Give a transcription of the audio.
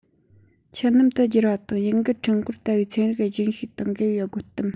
ཆུ སྣུམ དུ བསྒྱུར བ དང ཡུན འགུལ འཕྲུལ འཁོར ལྟ བུའི ཚན རིག རྒྱུན ཤེས དང འགལ བའི དགོད གཏམ